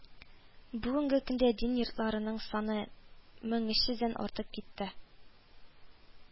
Бүгенге көндә дин йортларының саны мең өч йөздән артып китте